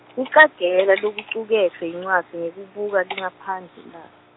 Kucagela lokucuketfwe yincwadzi ngekubuka lingaphandle lay-.